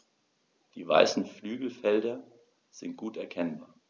Die weißen Flügelfelder sind gut erkennbar.